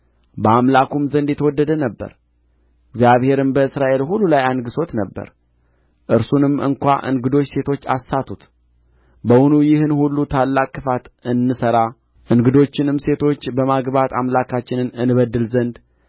በአምላኩም ዘንድ የተወደደ ነበረ እግዚአብሔርም በእስራኤል ሁሉ ላይ አንግሦት ነበር እርሱንም እንኳ እንግዶች ሴቶች አሳቱት በውኑ ይህን ሁሉ ታላቅ ክፋት እንሠራ እንግዶችንም ሴቶች በማግባት አምላካችን እንበድል ዘንድ